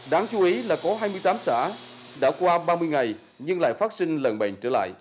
đáng chú ý là có hai mươi tám xã đã qua ba mươi ngày nhưng lại phát sinh lợn bệnh trở lại